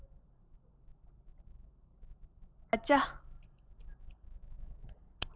སྟབས བདེའི བཟའ བཅའ